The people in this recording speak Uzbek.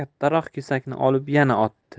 da kattaroq kesakni olib yana otdi